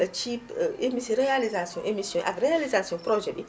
ci emi ci réalisation émission bi ak réalisation projet bi